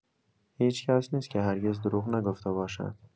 هیچ‌کس نیست که هرگز دروغ نگفته باشد.